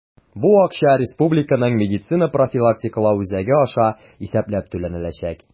Бу акча Республиканың медицина профилактикалау үзәге аша исәпләп түләнеләчәк.